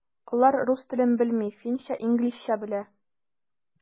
Алар рус телен белми, финча, инглизчә белә.